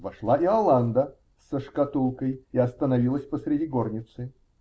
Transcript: Вошла Иоланда со шкатулкой и остановилась посреди горницы.